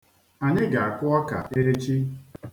Anyị ga-akụ ọka echi.